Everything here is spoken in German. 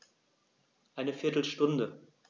Eine viertel Stunde